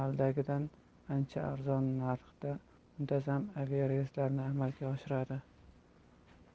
amaldagidan ancha arzon narxda muntazam aviareyslarni amalga oshiradi